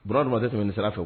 B tun ma tɛ tɛmɛ sira fɛ